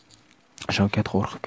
shavkat qo'rqib ketib